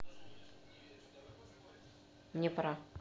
мне пора